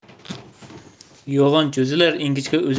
yo'g'on cho'zilar ingichka uzilar